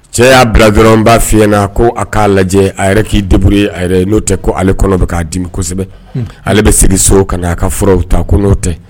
Cɛ y'a bila dɔrɔnw'a fiɲɛy na ko a k'a lajɛ a yɛrɛ k'i deburu yɛrɛ n'o tɛ ko ale kɔnɔ bɛ k'a dimi kosɛbɛ ale bɛ segin so ka aa ka furaw ta ko n'o tɛ